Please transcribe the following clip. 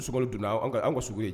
Sogo donna aw ka sogo yen